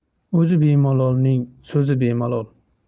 o'zi bemalolning so'zi bemalol